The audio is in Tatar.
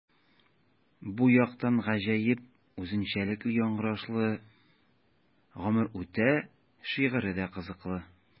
Бу яктан гаҗәеп үзенчәлекле яңгырашлы “Гомер үтә” шигыре дә кызыклы.